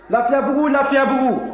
lafiyabugu lafiyabugu